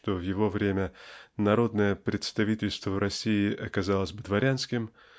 что б его время народное представительство в России оказалось бы дворянским